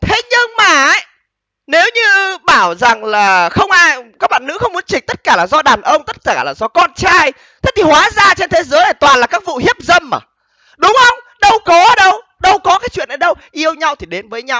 thế nhưng mà ý nếu như bảo rằng là không ai các bạn nữ không muốn chịch tất cả là do đàn ông tất cả là do con trai thế thì hóa ra trên thế giới toàn là các vụ hiếp dâm à đúng hông đâu có đâu đâu có cái chuyện ấy đâu yêu nhau thì đến với nhau